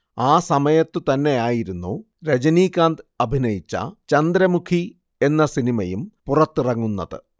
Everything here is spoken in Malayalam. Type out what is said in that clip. ആ സമയത്തു തന്നെയായിരുന്നു രജനീകാന്ത് അഭിനയിച്ച ചന്ദ്രമുഖി എന്ന സിനിമയും പുറത്തിറങ്ങുന്നത്